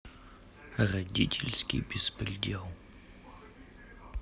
родительский беспредел